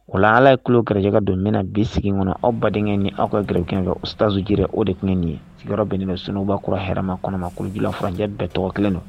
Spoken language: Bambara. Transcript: O la ala ye ki kɛrɛjɛka don min na bi sigi kɔnɔ awbaden ni aw ka garikɛ kan utaze o de tun nin ye sigiyɔrɔ bɛn sunwba kɔrɔ hɛrɛma kɔnɔma kuludiuranjɛ bɛɛ tɔgɔ kelen don